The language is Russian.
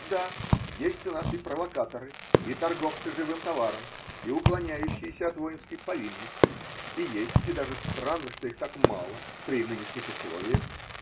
Да, есть у нас и провокаторы, и торговцы живым товаром, и уклоняющиеся от воинской повинности, есть, и даже странно, что их так мало при нынешних условиях.